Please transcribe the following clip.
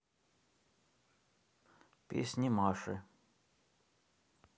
песни маши